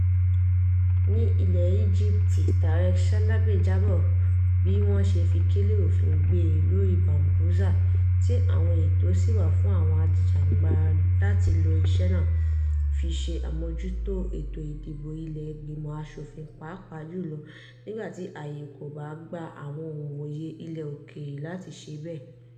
Ní ilẹ̀ Íjíbítì Tarek Shalaby jábọ̀ bí wọ́n ṣe fi kélé òfin gbé e lórí Bambuser, tí àwọn ètò sì wà fún àwọn ajìjàgbara láti lo iṣẹ́ náà fi ṣe àmójútó ètò ìdìbò ilé ìgbìmọ̀ aṣòfin pàápàá jùlọ nígbà tí ààyè kò bá gba àwọn òǹwòye ilẹ̀ òkèèrè láti ṣe bẹ́ẹ̀.